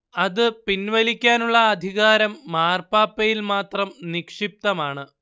അത് പിൻവലിക്കാനുള്ള അധികാരം മാർപ്പാപ്പയിൽ മാത്രം നിക്ഷിപ്തമാണ്